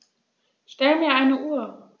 Stell mir eine Uhr.